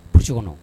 Brousse kɔnɔ